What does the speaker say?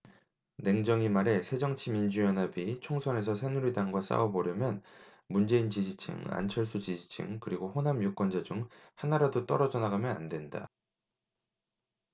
냉정히 말해 새정치민주연합이 총선에서 새누리당과 싸워보려면 문재인 지지층 안철수 지지층 그리고 호남 유권자 중 하나라도 떨어져 나가면 안 된다